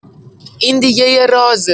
این دیگه یه رازه!